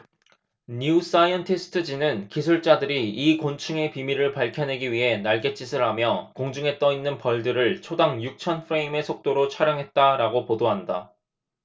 뉴 사이언티스트 지는 기술자들이 이 곤충의 비밀을 밝혀내기 위해 날갯짓을 하며 공중에 떠 있는 벌들을 초당 육천 프레임의 속도로 촬영했다라고 보도한다